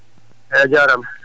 eeyi a jarama